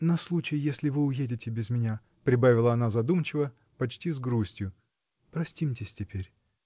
На случай, если вы уедете без меня, — прибавила она задумчиво, почти с грустью, — простимтесь теперь!